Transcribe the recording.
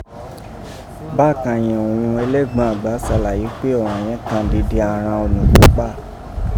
Bakàn yẹ̀n òghun ẹlẹgbọn agba salaye pe ọ̀ràǹ yẹ̀n kàn dede àghan onukopa.